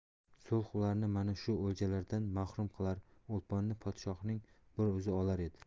sulh ularni mana shu o'ljalardan mahrum qilar o'lponni podshohning bir o'zi olar edi